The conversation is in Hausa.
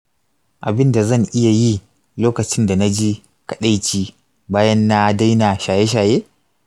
abin da zan iya yi lokacin da na ji kaɗaici bayan na daina shaye-shaye?